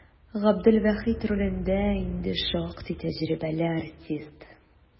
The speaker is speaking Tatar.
Габделвахит ролендә инде шактый тәҗрибәле артист.